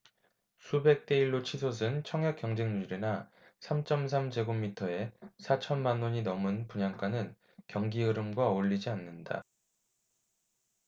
수백 대 일 로 치솟은 청약 경쟁률이나 삼 쩜 삼 제곱미터에 사천 만원이 넘은 분양가는 경기흐름과 어울리지 않는다